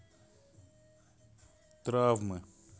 травмы